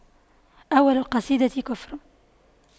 أول القصيدة كفر